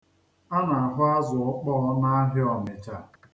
A na-ahụ azụọkpọọ n'ahịa Ọnịcha.